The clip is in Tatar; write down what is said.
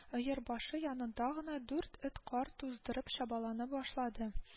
Өер башы янында гына дүрт эт кар туздырып чабалана башлады